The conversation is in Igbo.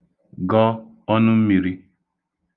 gọ ọnụmmirī